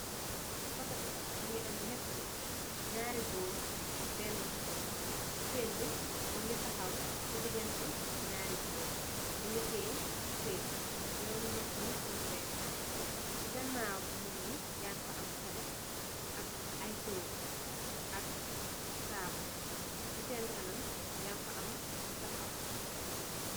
Foto bi, mu ngi am ñatti nit, ñaari goor ak beenë jigéen. Jigeen bi mu taxaw si digente ñaari goor yi. Mu ngi tiyee kayit, ñom ñattë yéppë ngee ree, si ganaaw nit ñi yaañg fa am tele, ak ay toogu ak taabul, si seen kanam, yaañg fa am ñu taxaw.